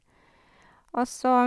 Og så...